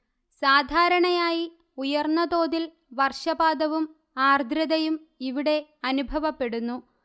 സാധാരണയായി ഉയർന്ന തോതിൽ വർഷപാതവും ആർദ്രതയും ഇവിടെ അനുഭവപ്പെടുന്നു